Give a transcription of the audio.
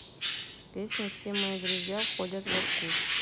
песня все мои друзья входят во вкус